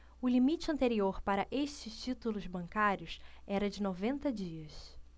o limite anterior para estes títulos bancários era de noventa dias